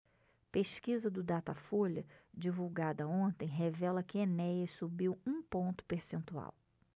pesquisa do datafolha divulgada ontem revela que enéas subiu um ponto percentual